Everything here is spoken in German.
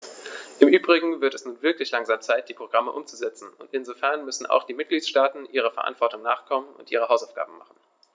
Im übrigen wird es nun wirklich langsam Zeit, die Programme umzusetzen, und insofern müssen auch die Mitgliedstaaten ihrer Verantwortung nachkommen und ihre Hausaufgaben machen.